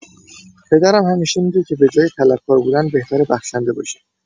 پدرم همیشه می‌گه که به‌جای طلبکار بودن، بهتره بخشنده باشیم.